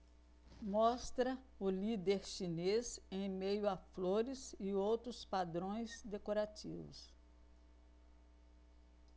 mostra o líder chinês em meio a flores e outros padrões decorativos